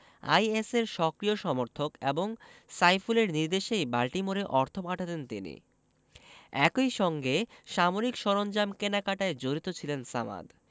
আইএসের সক্রিয় সমর্থক এবং সাইফুলের নির্দেশেই বাল্টিমোরে অর্থ পাঠাতেন তিনি একই সঙ্গে সামরিক সরঞ্জাম কেনাকাটায় জড়িত ছিলেন সামাদ